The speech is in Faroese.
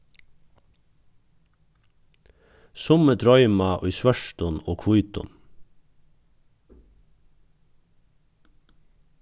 summi droyma í svørtum og hvítum